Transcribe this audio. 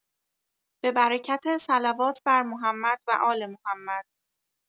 به برکت صلوات بر محمد وآل محمد